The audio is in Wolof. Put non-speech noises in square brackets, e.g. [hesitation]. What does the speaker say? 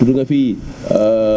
tudd nga fi [hesitation]